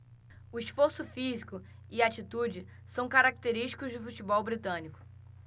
o esforço físico e a atitude são característicos do futebol britânico